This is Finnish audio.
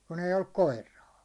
kun ei ollut koiraa